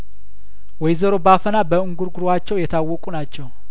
ወይዘሮ ባፈና በእንጉርጉሯቸው የታወቁ ናቸው